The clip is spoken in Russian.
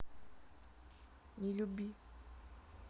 не люби